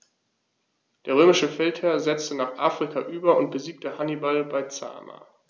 Der römische Feldherr setzte nach Afrika über und besiegte Hannibal bei Zama.